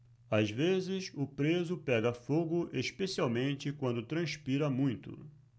às vezes o preso pega fogo especialmente quando transpira muito